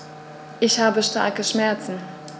Ich habe starke Schmerzen.